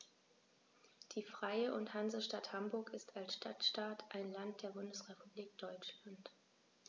Die Freie und Hansestadt Hamburg ist als Stadtstaat ein Land der Bundesrepublik Deutschland.